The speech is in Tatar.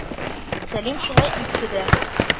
Сәлим шулай итте дә.